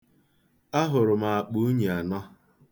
Ahụrụ m akpa unyi anọ.